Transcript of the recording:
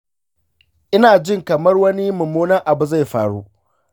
ina jin kamar wani mummunan abu zai faru.